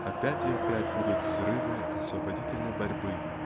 опять и опять будут взрывы освободительной борьбы